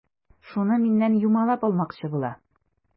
Шуны миннән юмалап алмакчы була.